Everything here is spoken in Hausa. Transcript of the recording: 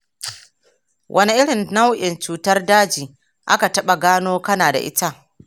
wane irin nau’in cutar daji aka taɓa gano kana da ita?